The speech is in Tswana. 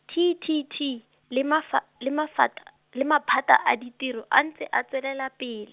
T T T, le mafa-, le mafat-, le maphata a ditiro, a ntse a tswelela pedi.